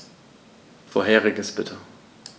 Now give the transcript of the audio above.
Vorheriges bitte.